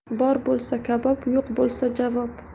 bor bo'lsa kabob yo'q bo'lsa javob